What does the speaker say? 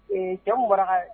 Ee cɛ mara